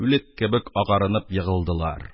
Үлек кебек агарынып егылдылар.